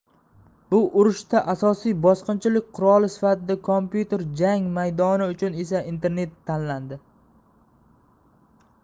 bu urushda asosiy bosqinchilik quroli siftida kompyuter jang maydoni uchun esa internet tanlandi